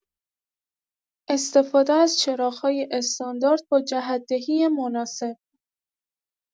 استفاده از چراغ‌های استاندارد با جهت‌دهی مناسب